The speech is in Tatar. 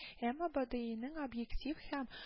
Әмма БДИның объектив һәм